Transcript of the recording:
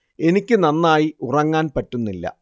എനിക്ക് നന്നായി ഉറങ്ങാൻ പറ്റുന്നില്ല